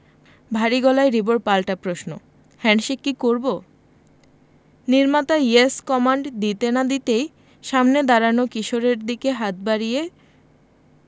ভারী গলায় রিবোর পাল্টা প্রশ্ন হ্যান্ডশেক কি করবো নির্মাতা ইয়েস কমান্ড দিতে না দিতেই সামনের দাঁড়ানো কিশোরের দিকে হাত বাড়িয়ে